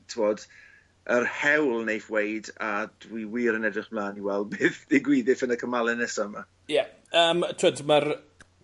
t'wod yr hewl neiff weud a dwi wir yn edrych mlan i weld beth ddigwyddith yn y cymale nesa 'ma. Ie yym t'wod ma'r